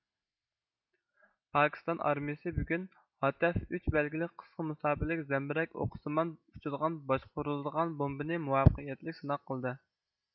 پاكىستان ئارمىيىسى بۈگۈن ھاتەف ئۈچ بەلگىلىك قىسقا مۇساپىلىك زەمبىرەك ئوقىسىمان ئۇچىدىغان باشقۇرۇلىدىغان بومبىنى مۇۋەپپەقىيەتلىك سىناق قىلدى